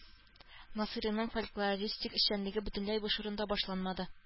Насыйриның фольклористик эшчәнлеге бөтенләй буш урында башланмады